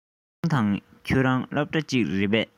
ཁོང དང ཁྱོད རང སློབ གྲྭ གཅིག རེད པས